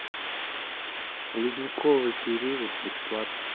ледниковый период бесплатно